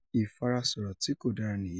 Ìfarasọ̀rọ̀ tí kò dára nìyí